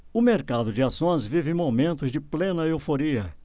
o mercado de ações vive momentos de plena euforia